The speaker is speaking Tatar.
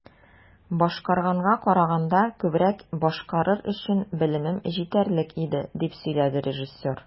"башкарганга караганда күбрәк башкарыр өчен белемем җитәрлек иде", - дип сөйләде режиссер.